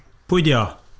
Pwy 'di o?